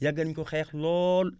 yàgg nañu ko xeex lool